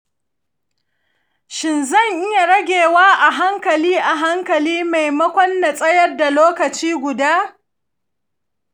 shin zan iya ragewa a hankali a hankali maimakon na tsayar da lokaci guda?